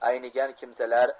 aynigan kimsalar